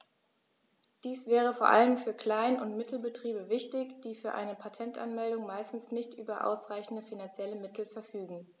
Dies wäre vor allem für Klein- und Mittelbetriebe wichtig, die für eine Patentanmeldung meistens nicht über ausreichende finanzielle Mittel verfügen.